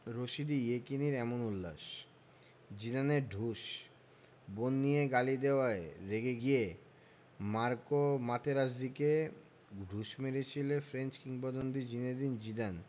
Rashidi ইয়েকিনির এমন উল্লাস জিদানের ঢুস বোন নিয়ে গালি দেওয়ায় রেগে গিয়ে মার্কো মাতেরাজ্জিকে ঢুস মেরেছেন ফ্রেঞ্চ কিংবদন্তি জিনেদিন জিদান